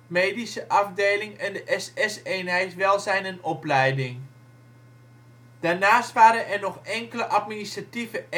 medische afdeling en de SS-eenheid welzijn en opleiding). Daarnaast waren er nog enkele administratieve